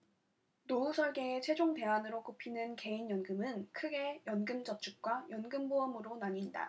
노후설계의 최종 대안으로 꼽히는 개인연금은 크게 연금저축과 연금보험으로 나뉜다